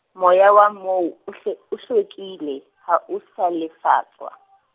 moya wa moo, o hlwe-, o hlwekile , ha o sale fatswa.